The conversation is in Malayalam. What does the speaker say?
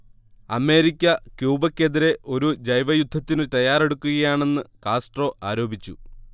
അമേരിക്ക ക്യൂബക്കെതിരേ ഒരു ജൈവയുദ്ധത്തിനു തയ്യാറെടുക്കുകയാണെന്ന് കാസ്ട്രോ ആരോപിച്ചു